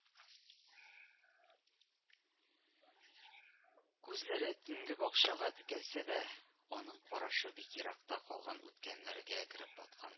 Күзләре төнге бакчага текәлсә дә, аның карашы бик еракта калган үткәннәргә кереп баткан